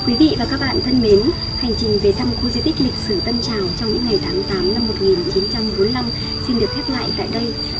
quý vị và các bạn thân mến hành trình về thăm khu di tích lịch sử tân trào trong những ngày tháng năm xin được khép lại tại đây